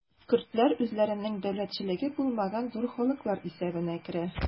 Көрдләр үзләренең дәүләтчелеге булмаган зур халыклар исәбенә керә.